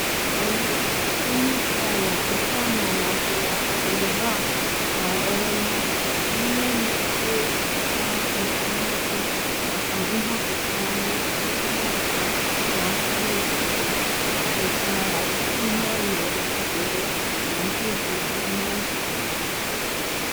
Evo Morales, onye isi ala nke amaala Bolivia na adọrọ mmasị - onye na eche ọgụ siri ike maka nhọpụtagharị ntuli aka n’afọ na esote - nwekwara ọtụtụ ihe ọ na adabere na mkpebi nke Mọnde.